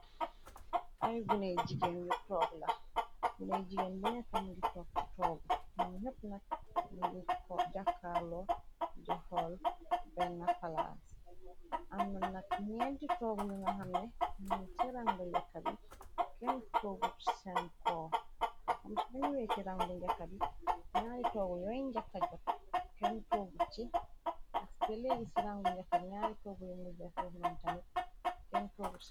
Ar gunay jigeen yu tog la gunay jigeen bu nekk am ngir tog ci toogu num nepp nak ngir jàkkalo di xall bennapalas amna nak ñeenti toog yu nga xam ne ñun ci ràngu njàkkabi kenn trogu senko am sunani wee ki ràngu njakka bi ñaari toogu yooy njàkka-jot kenn toogu ci ak sa te léegi ci ràngu njakkab niari toggu yu mbujja huxnoon tamit kenng.